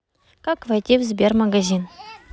как войти в сбермаркет